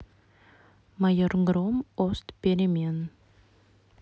майор гром ост перемен